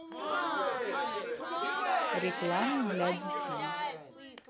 рекламы для детей